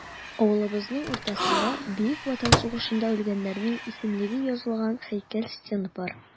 Авылыбызның уртасында Бөек Ватан сугышында үлгәннәрнең исемлеге язылган һәйкәл-стенд бар.